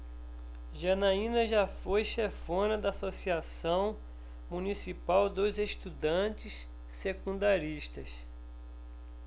janaina foi chefona da ames associação municipal dos estudantes secundaristas